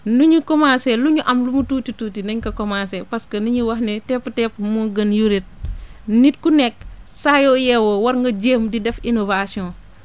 nu ñu commencé lu ñu am lu mu tuuti tuuti nañ ko commencé parce que li ñuy wax ne tepp tepp moo gën yuréet nit ku nekk saa yoo yeewoo war nga jéem di def innovation